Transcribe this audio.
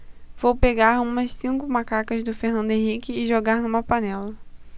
vou pegar umas cinco macacas do fernando henrique e jogar numa panela